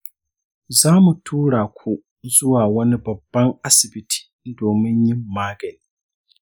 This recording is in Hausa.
za mu tura ku zuwa wani babban asibiti domin yin magani.